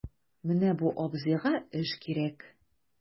Менә бу абзыйга эш кирәк...